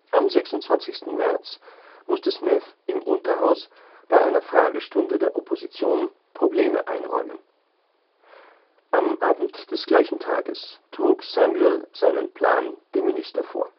Am 26. März musste Smith im Unterhaus bei einer Fragestunde der Opposition Probleme einräumen. Am Abend des gleichen Tages trug Samuel seinen Plan dem Minister vor